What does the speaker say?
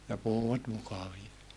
ja puhuivat mukavia